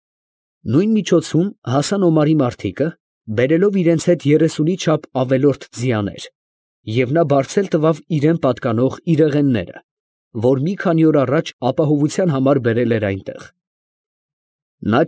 Նույն միջոցում հասան Օմարի մարդիկը, բերելով իրանց հետ երեսունի չափ ավելորդ ձիաներ, և նա բարձել տվավ իրան պատկանող իրեղենները, որ քանի օր առաջ ապահովության համար բերել էր այնտեղ. նա։